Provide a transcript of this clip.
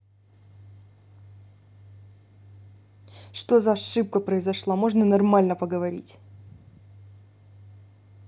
что за ошибка произошла можно нормально поговорить